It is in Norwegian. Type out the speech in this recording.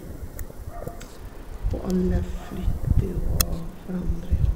Og alle flytter jo og forandrer jo...